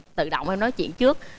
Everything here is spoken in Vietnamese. tự động hay nói chuyện trước